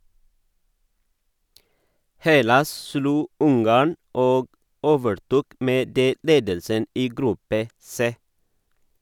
Hellas slo Ungarn, og overtok med det ledelsen i gruppe C.